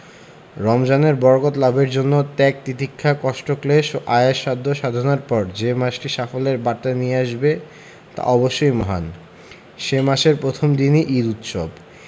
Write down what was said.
রমজানের বরকত লাভের জন্য ত্যাগ তিতিক্ষা কষ্টক্লেশ ও আয়াস সাধ্য সাধনার পর যে মাসটি সাফল্যের বার্তা নিয়ে আসবে তা অবশ্যই মহান সে মাসের প্রথম দিনই ঈদ উৎসব